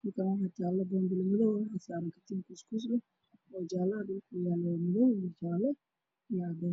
halkaan wax taalo boon balo madow ah wax dul saaran katiinad kuus oo jaalo ah